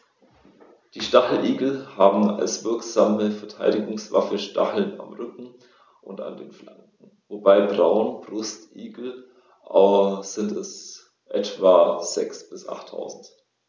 Die Stacheligel haben als wirksame Verteidigungswaffe Stacheln am Rücken und an den Flanken (beim Braunbrustigel sind es etwa sechs- bis achttausend).